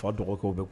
Fa dɔgɔkɛw bɛ kun